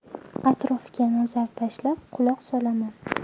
atrofga nazar tashlab quloq solaman